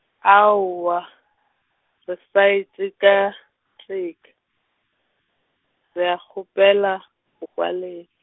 aowa, re sa itekateka, re ya kgopela go kwa lena.